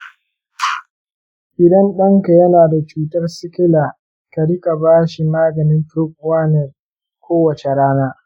idan ɗanka yana da cutar sikila, ka riƙa ba shi maganin proguanil kowace rana.